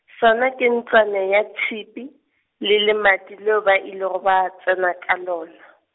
sona ke ntlwana ya tšhipi, le lemati leo ma ilego ba tsena ka lona.